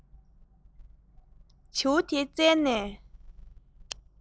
བྱིའུ དེ བཙལ ནས